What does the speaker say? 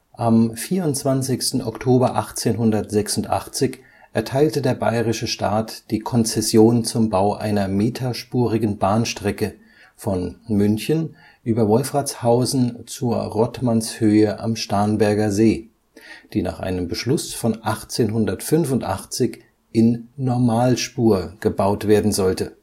Am 24. Oktober 1886 erteilte der bayerische Staat die Konzession zum Bau einer meterspurigen Bahnstrecke von München über Wolfratshausen zur Rottmannshöhe am Starnberger See, die nach einem Beschluss von 1885 in Normalspur gebaut werden sollte